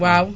waaw